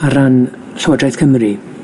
ar ran Llywodraeth Cymru